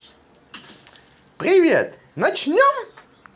привет начнем